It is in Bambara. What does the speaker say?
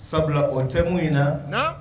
Sabula o tɛ mu'in na, naamu.